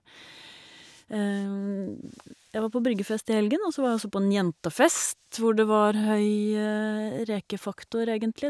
Jeg var på bryggefest i helgen, og så var jeg også på en jentefest hvor det var høy rekefaktor, egentlig.